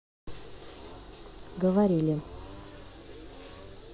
говорили